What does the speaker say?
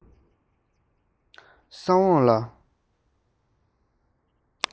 བསག འོང ལ